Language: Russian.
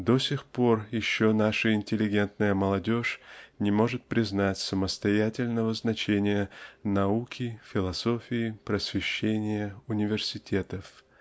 До сих пор еще наша интеллигентная молодежь не может признать самостоятельного значения наук философии просвещения университетов